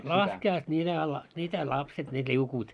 laskiaista niitähän - sitä lapset ne liukuivat